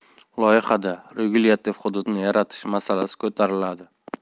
loyihada regulyativ hudud ni yaratish masalasi ko'tariladi